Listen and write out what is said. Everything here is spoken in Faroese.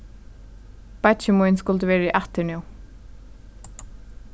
beiggi mín skuldi verið aftur nú